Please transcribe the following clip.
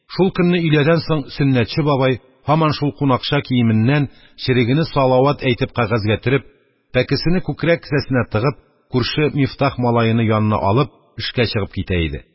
Шул көнне өйләдән соң Сөннәтче бабай, һаман шул кунакча киеменнән, черегене салават әйтеп кәгазьгә төреп, пәкесене күкрәк кесәсенә тыгып, күрше Мифтах малаены янына алып, эшкә чыгып китә иде.